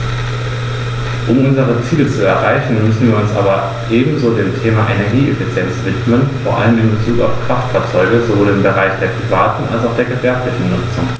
Um unsere Ziele zu erreichen, müssen wir uns aber ebenso dem Thema Energieeffizienz widmen, vor allem in Bezug auf Kraftfahrzeuge - sowohl im Bereich der privaten als auch der gewerblichen Nutzung.